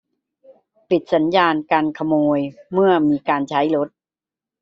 ปิดสัญญาณการขโมยเมื่อมีการใช้รถ